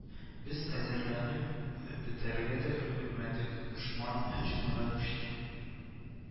Без әзерләнеп бетәргә дә өлгермәдек, дошман һөҗүмгә күчте